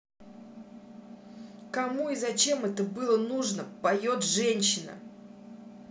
кому и зачем это было нужно поет женщина